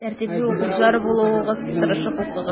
Тәртипле укучылар булыгыз, тырышып укыгыз.